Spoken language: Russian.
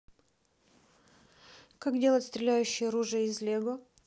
как сделать стреляющее оружие из лего